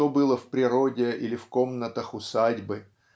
что было в природе или в комнатах усадьбы